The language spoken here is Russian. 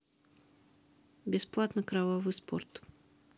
бесплатно кровавый спорт